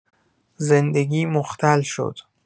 زندگی مختل شد.